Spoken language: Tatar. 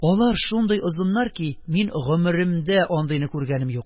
Алар шундый озыннар ки, мин гомеремдә андыйны күргәнем юк.